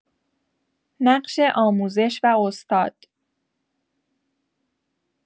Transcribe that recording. نقش آموزش و استاد